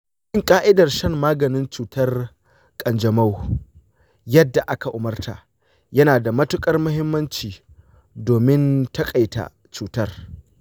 bin ƙa'idar shan maganin cutar ƙanjamau yadda aka umarta yana da matuƙar muhimmanci domin taƙaita cutar.